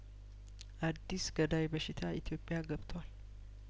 አዲስ ገዳይ በሽታ ኢትዮጵያ ገብቷል